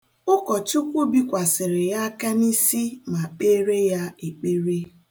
Ụkọchukwukwu bikwasịrị ya aka n'isi ma kpeere ya ekpere.